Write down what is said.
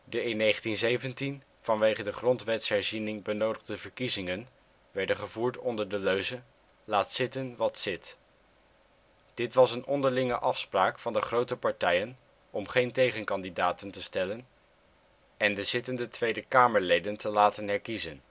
De in 1917 vanwege de grondwetsherziening benodigde verkiezingen werden gevoerd onder de leuze ' laat zitten, wat zit '. Dit was een onderlinge afspraak van de grote partijen om geen tegenkandidaten te stellen en de zittende Tweede Kamerleden te laten herkiezen